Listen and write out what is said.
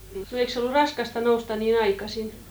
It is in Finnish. no eikös se ollut raskasta nousta niin aikaisin